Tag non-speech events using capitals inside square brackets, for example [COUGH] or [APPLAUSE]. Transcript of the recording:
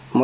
[HESITATION] [HESITATION]